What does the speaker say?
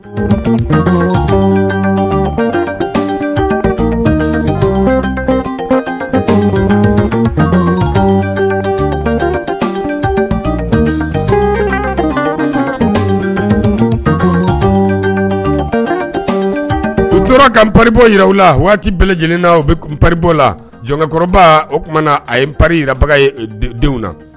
U tora ka pan yi u la waati bɛɛ lajɛlen n u bɛ kun pan la jɔnkɔrɔ o tumana a ye pa yibaga ye denw na